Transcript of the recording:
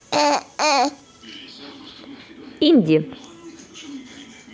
инди